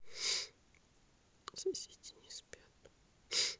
соседи не спят